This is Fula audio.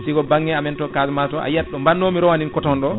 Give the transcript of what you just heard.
siko banggue amen to Casamance to ayiyat to bannomi rawane coton ɗo